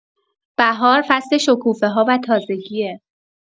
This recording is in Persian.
بهار فصل شکوفه‌ها و تازگیه.